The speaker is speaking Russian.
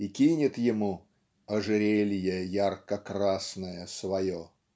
и кинет ему "ожерелье ярко-красное" свое.